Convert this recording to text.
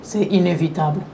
Se i nefini'a bolo